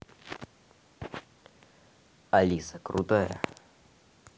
алиса крутая